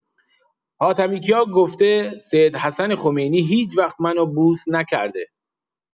حاتمی‌کیا گفته سیدحسن خمینی هیچوقت منو بوس نکرده!